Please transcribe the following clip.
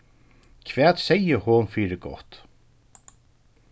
hvat segði hon fyri gott